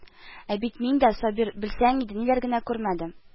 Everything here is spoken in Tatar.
Ә бит мин дә, Сабир, белсәң иде, ниләр генә күрмәдем